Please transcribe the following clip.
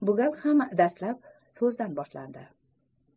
bu gal ham dastlab so'zdan boshlandi